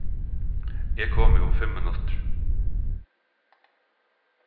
eg komi um fimm minuttir